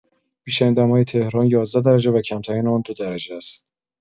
بیشترین دمای تهران ۱۱ درجه و کم‌ترین آن ۲ درجه است.